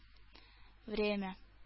Время